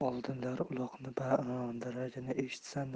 oldinlari uloqning daragini eshitsa